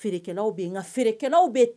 Kɛlawkɛlaw bɛ